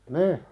niin